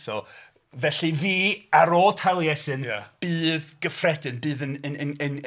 So, felly fi ar ôl Taliesin bydd gyffredin, bydd yn... yn... yn... yn...